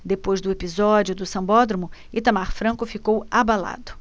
depois do episódio do sambódromo itamar franco ficou abalado